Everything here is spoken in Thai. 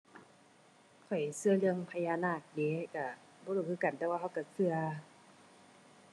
ข้อยเชื่อเรื่องพญานาคเดะ เชื่อบ่รู้คือกันแต่ว่าเชื่อเชื่อเชื่อ